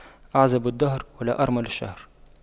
أعزب دهر ولا أرمل شهر